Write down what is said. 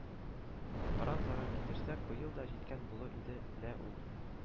Пыран-заран китерсәк, быел да җиткән булыр иде лә ул